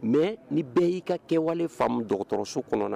Mɛ ni bɛɛ y'i ka kɛwale faamu dɔgɔtɔrɔso kɔnɔ